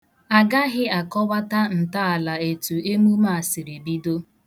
Agaghị akọwata ntọala etu emume a siri bido.